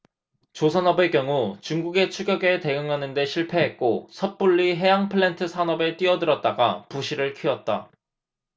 조선업의 경우 중국의 추격에 대응하는 데 실패했고 섣불리 해양플랜트 산업에 뛰어들었다가 부실을 키웠다